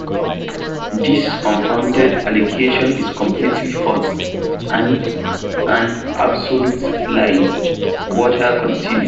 "This unfounded allegation is completely false and an absolute lie," Waters continued.